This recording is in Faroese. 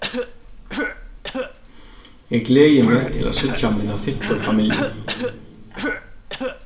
eg gleði meg til at síggja mína fittu familju